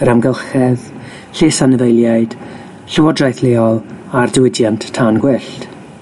yr amgylchedd, lles anifeiliaid, llywodraeth leol a'r diwydiant tân gwyllt.